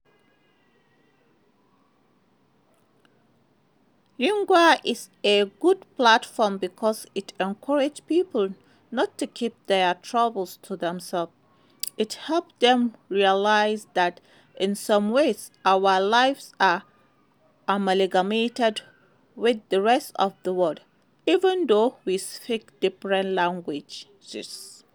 Lingua is a good platform because it encourages people not to keep their troubles to themselves, it helps them realize that in some ways our lives are amalgamated with the rest of the world, even though we speak different languages.